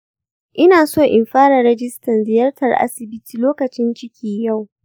ina so in fara rijistan ziyartar asibiti lokacin ciki yau